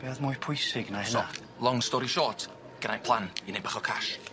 Be' o'dd mwy pwysig na hynna? So long story short gennai plan i neud bach o cash.